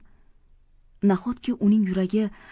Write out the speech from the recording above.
nahotki uning yuragi